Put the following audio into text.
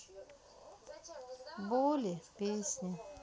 боли песни